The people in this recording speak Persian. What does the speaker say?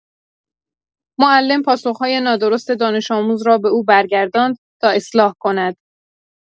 معلم پاسخ‌های نادرست دانش‌آموز را به او برگرداند تا اصلاح کند.